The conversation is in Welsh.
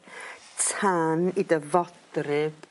... tan i dy fodryb